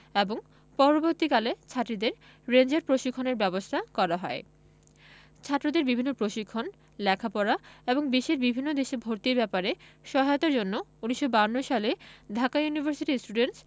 এবং পরবর্তীকালে ছাত্রীদের রেঞ্জার প্রশিক্ষণের ব্যবস্থা করা হয় ছাত্রদের বিভিন্ন প্রশিক্ষণ লেখাপড়া এবং বিশ্বের বিভিন্ন দেশে ভর্তির ব্যাপারে সহায়তার জন্য ১৯৫২ সালে ঢাকা ইউনিভার্সিটি স্টুডেন্টস